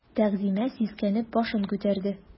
Тәгъзимә сискәнеп башын күтәрде.